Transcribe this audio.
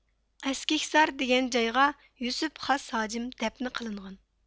ئەسكىھسار دېگەن جايغا يۈسۈپ خاس ھاجىم دەپنە قىلىنغان